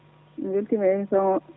mi weltima e émission o